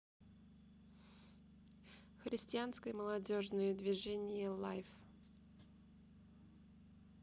христианское молодежное движение лайф